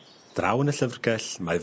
Draw yn y llyfrgell mae...